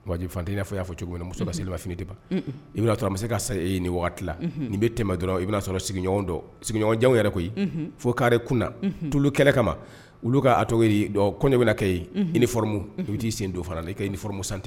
Fatan n'a ya fɔ cogo muso seli finiti ban i bɛnaɔrɔ se ka se e ni waati nin bɛ tɛmɛ dɔrɔn i' sɔrɔɲɔgɔnɲɔgɔnjan yɛrɛ koyi fo karire kun tulu kɛlɛ kama olu kato ko bɛ kɛ i nimu i bɛ'i sen don fana n' i ka ni fɔrɔmu sante